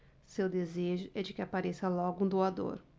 seu desejo é de que apareça logo um doador